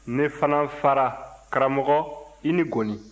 ne fana fara karamɔgɔ i ni goni